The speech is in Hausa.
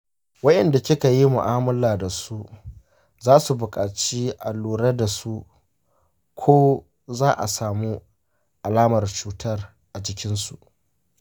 waenda kikayi mu'amala dasu zasu bukaci a lura dasu ko za'a samu alamar cutar a jikinsu.